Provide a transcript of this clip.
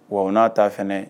Wa n'a ta f